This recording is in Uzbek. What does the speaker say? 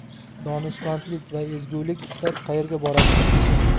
donishmandlik va ezgulik istab qaerga boradilar